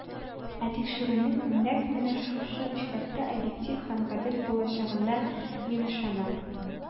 Ә тикшерүнең нәкъ менә шушы очракта объектив һәм гадел булачагына мин ышанам.